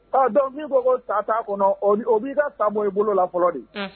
Dɔn min ko ko tata kɔnɔ o b'i ka tama i bolo la fɔlɔ de